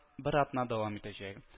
Бер атна дәвам итәчәк